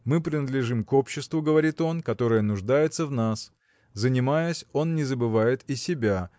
мы принадлежим к обществу, говорит он, которое нуждается в нас занимаясь, он не забывает и себя